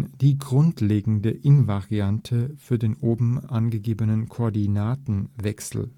die “grundlegende Invariante für den oben angegebenen Koordinatenwechsel